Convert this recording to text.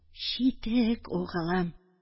Читек, угылым.